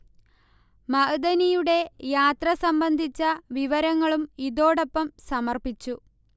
മഅ്ദനിയുടെ യാത്ര സംബന്ധിച്ച വിവരങ്ങളും ഇതോടൊപ്പം സമർപ്പിച്ചു